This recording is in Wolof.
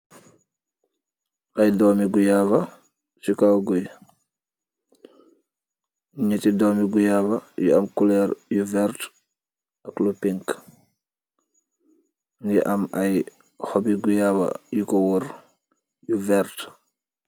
Aiiy dormi guava chi kaw guiiy, njeti dormi guava yu am couleur yu vert ak lu pink, yi am aiiy hohpp bi guava yukor wohrre yu vert.